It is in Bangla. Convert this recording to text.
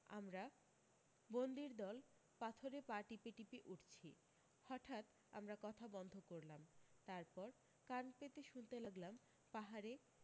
আমরা বন্দির দল পাথরে পা টিপে টিপে উঠছি হঠাত আমরা কথা বন্ধ করলাম তারপর কান পেতে শুনতে লাগলাম পাহাড়ে